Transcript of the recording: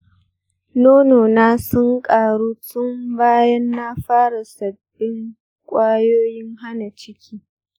nono na sun ƙaru tun bayan na fara sabbin kwayoyin hana ciki.